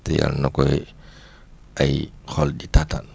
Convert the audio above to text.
te yàl na ko ay xol di taataan